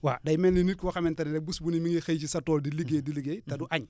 waa day mel ni nit koo xamante ne rek bés bu ne mi ngi xëy sa tool di liggéey di liggéey te du añ